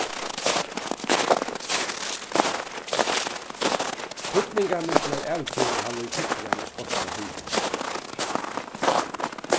týdningarmiklar avgerðir hava verið tiknar í skotska tinginum